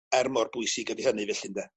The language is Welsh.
Er mor bwysig ydi hynny felly ynde?